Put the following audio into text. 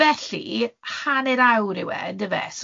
Felly, hanner awr yw e, yndyfe?